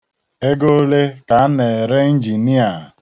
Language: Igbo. Ego ole ka a na-ere injin a?